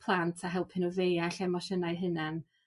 plant a helpu nhw ddeall emosiynau hunan.